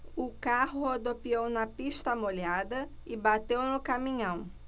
o carro rodopiou na pista molhada e bateu no caminhão